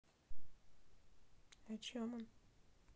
о чем он